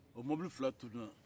o mobili fila tununna